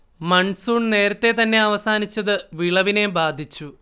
monsoon നേരത്തേതന്നെ അവസാനിച്ചത് വിളവിനെ ബാധിച്ചു